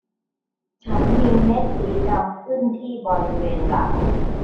ฉันมีเม็ดสีดำขึ้นที่บริเวณหลัง